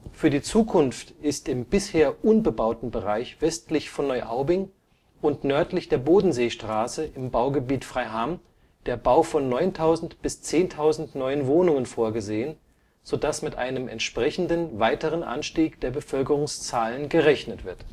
Für die Zukunft ist im bisher unbebauten Bereich westlich von Neuaubing und nördlich der Bodenseestraße im Baugebiet Freiham der Bau von 9.000 bis 10.000 neuen Wohnungen vorgesehen, so dass mit einem entsprechenden weiteren Anstieg der Bevölkerungszahlen gerechnet wird